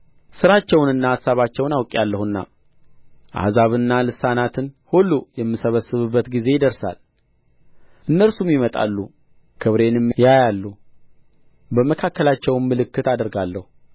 ሥራቸውንና አሳባቸውን አውቄአለሁና አሕዛብንና ልሳናትን ሁሉ የምሰበስብበት ጊዜ ይደርሳል እነርሱም ይመጣሉ ክብሬንም ያያሉ በመካከላቸውም ምልክት አደርጋለሁ